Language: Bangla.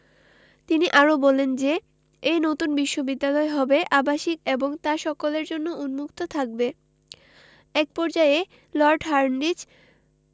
তিনি আরও বলেন যে এ নতুন বিশ্ববিদ্যালয় হবে আবাসিক এবং তা সকলের জন্য উন্মুক্ত থাকবে এক পর্যায়ে লর্ড হার্ডিঞ্জ